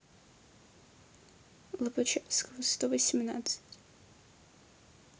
лобачевского сто восемнадцать